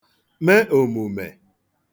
me òmùmè